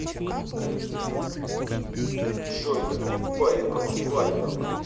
джой ты тупая как валенок